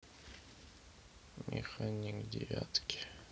механик девятки